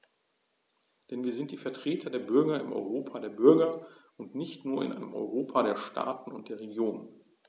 Denn wir sind die Vertreter der Bürger im Europa der Bürger und nicht nur in einem Europa der Staaten und der Regionen.